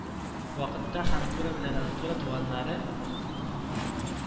Вакытта хантура белән антура, туганнары